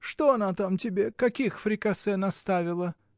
— Что она там тебе, каких фрикасе наставила?